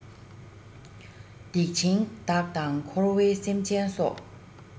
སྡིག ཆེན བདག དང འཁོར བའི སེམས ཅན སོགས